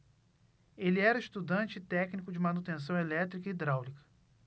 ele era estudante e técnico de manutenção elétrica e hidráulica